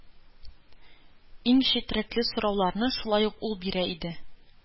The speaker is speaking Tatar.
Иң четерекле сорауларны шулай ук ул бирә иде.